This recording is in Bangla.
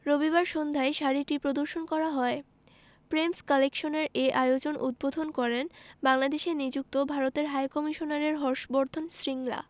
রবিবার সন্ধ্যায় শাড়িটি প্রদর্শন করা হয় প্রেমস কালেকশনের এ আয়োজন উদ্বোধন করেন বাংলাদেশে নিযুক্ত ভারতের হাইকমিশনার হর্ষ বর্ধন শ্রিংলা